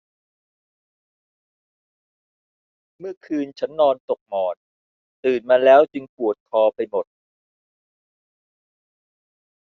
เมื่อคืนฉันนอนตกหมอนตื่นมาแล้วจึงปวดคอไปหมด